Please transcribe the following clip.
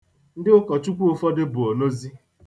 Ndị ụkọchukwu ụfọdụ bụ onozi.